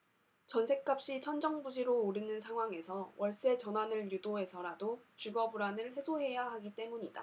전셋값이 천정부지로 오르는 상황에서 월세 전환을 유도해서라도 주거 불안을 해소해야 하기 때문이다